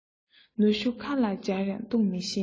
ནུ ཞོ ཁ ལ སྦྱར ཡང འཐུང མི ཤེས